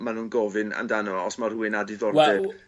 ma' nw'n gofyn amdano fo os ma' rhywun â diddordeb...